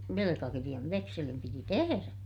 velkakirjan vekselin piti tehdä